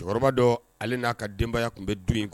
Cɛkɔrɔba dɔ ale n'a ka denbaya tun bɛ du in kɔnɔ